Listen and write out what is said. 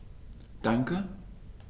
Danke.